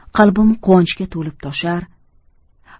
qalbim quvonchga to'lib toshar